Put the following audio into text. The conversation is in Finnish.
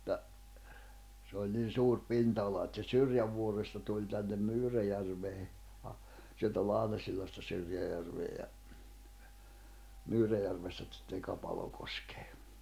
mutta se oli niin suuri pinta-ala että se Syrjävuoresta tuli tänne Myyräjärveen - sieltä Lahnasillasta Syrjäjärveen ja Myyräjärvestä sitten Kapalokoskeen